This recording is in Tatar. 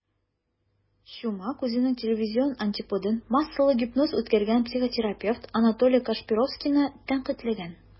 Чумак үзенең телевизион антиподын - массалы гипноз үткәргән психотерапевт Анатолий Кашпировскийны тәнкыйтьләгән.